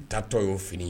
Tatɔ y'o fini ye